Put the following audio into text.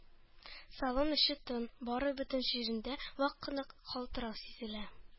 Салон эче тын, бары бөтен җирендә вак кына калтырау сизелә